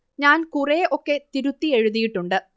ഞാൻ കുറെ ഒക്കെ തിരുത്തി എഴുതിയിട്ടുണ്ട്